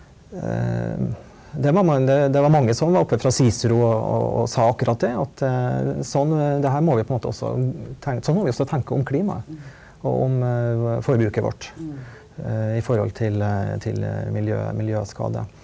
det var man det det var mange som var oppe fra Cicero og og og sa akkurat det at sånn det her må vi på en måte også tenk sånn må vi også tenke om klimaet og om forbruket vårt i forhold til til miljø miljøskade.